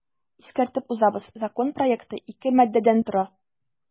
Искәртеп узабыз, закон проекты ике маддәдән тора.